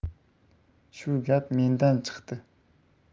shu gap mendan chiqdi